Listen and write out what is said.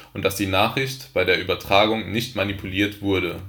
und dass die Nachricht bei der Übertragung nicht manipuliert wurde